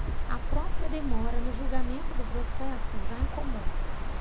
a própria demora no julgamento do processo já incomoda